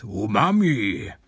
Umami!